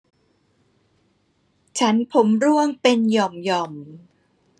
ฉันผมร่วงเป็นหย่อมหย่อม